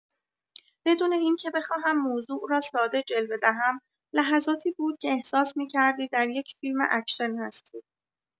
بدون اینکه بخواهم موضوع را ساده جلوه دهم، لحظاتی بود که احساس می‌کردی در یک فیلم اکشن هستی.